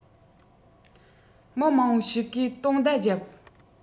མི མང པོ ཞིག གིས དུང བརྡ བརྒྱབ